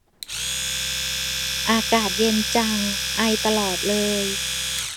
อากาศเย็นจังไอตลอดเลย